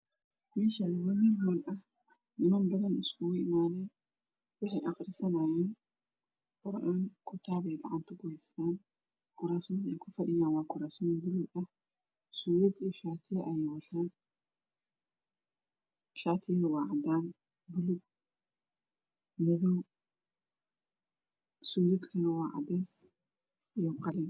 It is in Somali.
Meshaan wa meel hool ah niman basan iskugu imadeen waxey aqri sanayaan kitaap kurastii ku fadhiyaana waa ku raas paluuug ah sudad iyo shaatiyadu waa cadaan pluug madow sudadkuna waa cadees iyo qalin